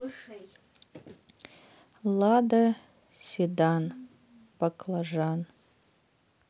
лада седан баклажан